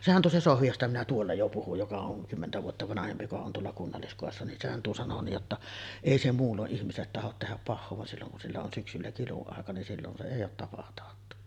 sehän tuo se Sohvi josta minä tuolla jo puhuin joka on kymmentä vuotta vanhempi joka on tuolla kunnalliskodissa niin sehän tuo sanoi niin jotta ei se muulloin ihmiselle tahdo tehdä pahaa vaan silloin kun sillä on syksyllä kiluaika niin silloin se ei ole tapataattu